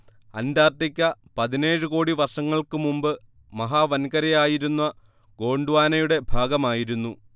Antarctica പതിനേഴ് കോടി വർഷങ്ങൾക്ക് മുമ്പ് മഹാവൻകരയായിരുന്ന ഗോണ്ട്വാനയുടെ ഭാഗമായിരുന്നു